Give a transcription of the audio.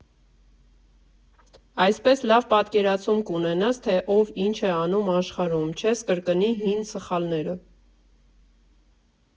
Այսպես լավ պատկերացում կունենաս, թե ով ինչ է անում աշխարհում, չես կրկնի հին սխալները։